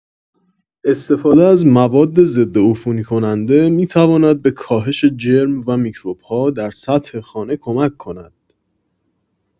استفاده از مواد ضدعفونی‌کننده می‌تواند به کاهش جرم و میکروب‌ها در سطح خانه کمک کند.